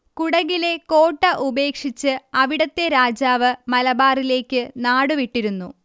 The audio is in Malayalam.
കുടകിലെ കോട്ട ഉപേക്ഷിച്ച് അവിടത്തെ രാജാവ് മലബാറിലേക്ക് നാടുവിട്ടിരുന്നു